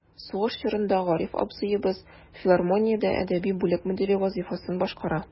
Сугыш чорында Гариф абзыебыз филармониядә әдәби бүлек мөдире вазыйфасын башкара.